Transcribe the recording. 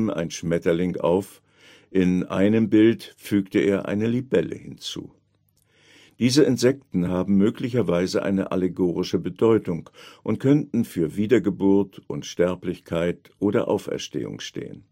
ein Schmetterling auf, in einem Bild fügte er eine Libelle hinzu. Diese Insekten haben möglicherweise eine allegorische Bedeutung und könnten für Wiedergeburt, Unsterblichkeit oder Auferstehung stehen